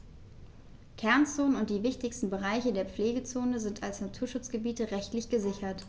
Kernzonen und die wichtigsten Bereiche der Pflegezone sind als Naturschutzgebiete rechtlich gesichert.